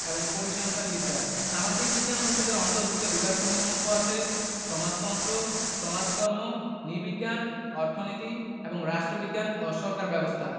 সামাজিক বিজ্ঞান অনুষদের অন্তর্ভুক্ত বিভাগসমূহের মধ্যে আছে সমাজতত্ত্ব সমাজকর্ম নৃবিজ্ঞান অর্থনীতি এবং রাষ্ট্রবিজ্ঞান ও সরকার ব্যবস্থা